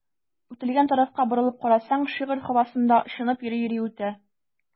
Үтелгән тарафка борылып карасаң, шигырь һавасында очынып йөри-йөри үтә.